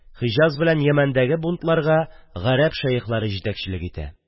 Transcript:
Һиҗаз белән Ямәндәге бунтларга гарәп шәехләре җитәкчелек итә.